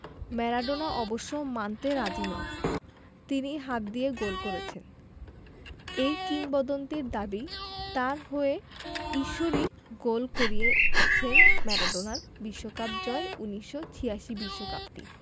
Maradona অবশ্য মানতে রাজি নন তিনি হাত দিয়ে গোল করেছেন এই কিংবদন্তির দাবি তাঁর হয়ে ঈশ্বরই গোল করিয়েছেন ম্যারাডোনার বিশ্বকাপ জয় ১৯৮৬ বিশ্বকাপটি